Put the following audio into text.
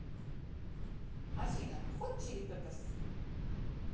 афина hot chili peppers